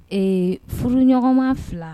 Ee furu ɲɔgɔnma fila